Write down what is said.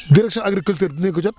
direction agriculture dinañ ko jot